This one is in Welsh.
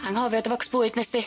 Anghofio dy focs bwyd nesdi?